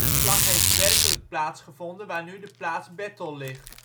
slag heeft werkelijk plaatsgevonden waar nu de plaats Battle ligt